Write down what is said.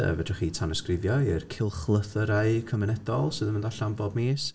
Yy, fedrwch chi tanysgrifio i'r cylchlythyrau cymunedol sydd yn mynd allan bob mis.